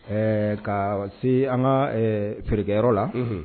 Ɛɛ ka se an ka feerekeyɔrɔ la.